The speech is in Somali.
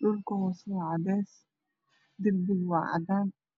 dhulka hoose waa caddees degdeg waa caddaan